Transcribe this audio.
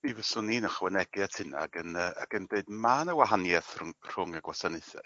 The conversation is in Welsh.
Mi fyswn i'n ychwanegu at hynna ag yn yy ac yn dweud ma' 'na wahanieth rhwng rhwng y gwasanaethe.